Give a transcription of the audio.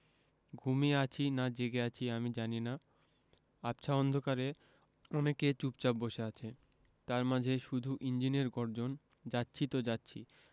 ঘুমিয়ে আছি না জেগে আছি আমি জানি না আবছা অন্ধকারে অনেকে চুপচাপ বসে আছে তার মাঝে শুধু ইঞ্জিনের গর্জন যাচ্ছি তো যাচ্ছি